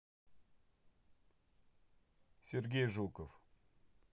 сергей жуков